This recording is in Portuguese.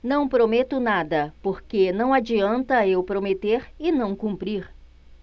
não prometo nada porque não adianta eu prometer e não cumprir